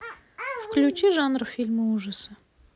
включи жанр фильмы ужасы